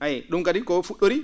a yiyii ?um kadi ko fu??ori